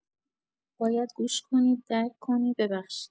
باید گوش کنی، درک کنی، ببخشی.